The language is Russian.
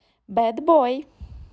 bad boy